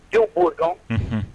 Dɔnku k'o dɔn